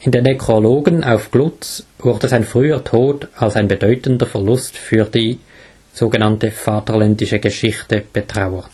In den Nekrologen auf Glutz wurde sein früher Tod als ein bedeutender Verlust für die „ vaterländische Geschichte “betrauert